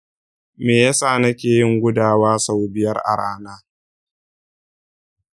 me yasa nake yin gudawa sau biyar a rana?